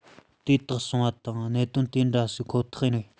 དེ དག བྱུང བ དང གནད དོན དེ འདྲ ཞིག ཁོ ཐག རེད